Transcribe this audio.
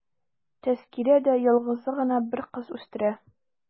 Тәзкирә дә ялгызы гына бер кыз үстерә.